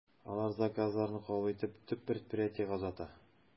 Алар заказларны кабул итеп, төп предприятиегә озата.